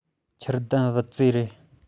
འཆར ལྡན བུ བཙའི རེད